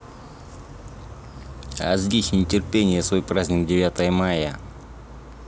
а здесь не терпение свой праздник девятое мая